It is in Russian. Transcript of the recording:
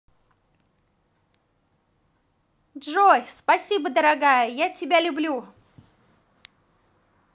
джой спасибо дорогая я тебя люблю